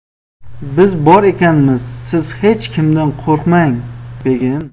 biz bor ekanmiz siz hech kimdan qo'rqmang begim